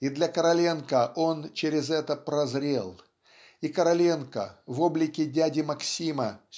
и для Короленко он через это прозрел и Короленко в облике дяди Максима